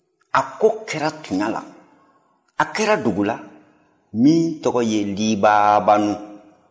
a ko kɛra tuɲa la a kɛra dugu la min tɔgɔ ye libaabanun